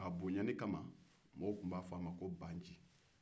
a bonyani kama mɔgɔw tun b'a fɔ a ma ko baa nci